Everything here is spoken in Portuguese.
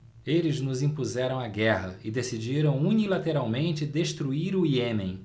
eles nos impuseram a guerra e decidiram unilateralmente destruir o iêmen